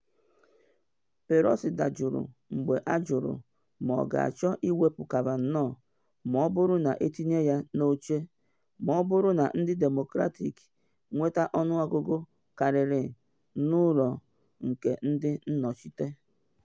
Pelosi dajụrụ mgbe ajụrụ ma ọ ga-achọ iwepu Kavanaugh ma ọ bụrụ na etinye ya n’oche, ma ọ bụrụ na ndị Demokrat nweta ọnụọgụgụ karịrị na Ụlọ nke Ndị Nnọchite.